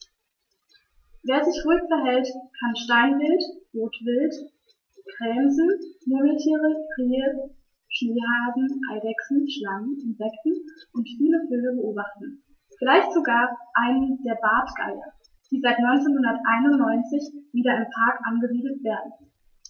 Wer sich ruhig verhält, kann Steinwild, Rotwild, Gämsen, Murmeltiere, Rehe, Schneehasen, Eidechsen, Schlangen, Insekten und viele Vögel beobachten, vielleicht sogar einen der Bartgeier, die seit 1991 wieder im Park angesiedelt werden.